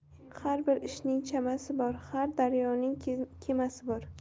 har bir ishning chamasi bor har daryoning kemasi bor